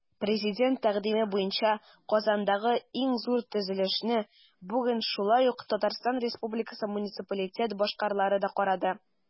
Президент тәкъдиме буенча Казандагы иң зур төзелешне бүген шулай ук ТР муниципалитет башлыклары да карады.